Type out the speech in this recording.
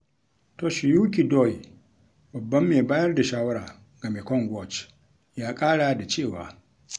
Toshiyuki Doi, babban mai bayar da shawara ga Mekong Watch, ya ƙara da cewa: